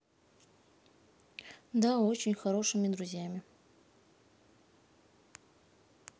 да очень хорошими друзьями